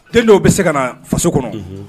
Den dɔw bɛ se ka na faso kɔnɔ. Unhun!